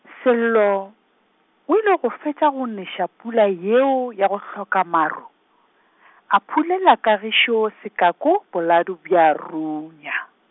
Sello, o ile go fetša go neša pula yeo ya go hloka maru, a phulela Kagišo sekaku boladu bja runya.